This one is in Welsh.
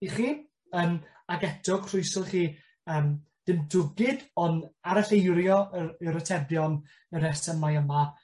i chi yym ag eto croeso chi yym dim dwgid on' aralleirio yr i'r atebion y resymau yma